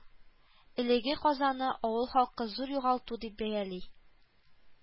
Элеге казаны авыл халкы зур югалту дип бәяли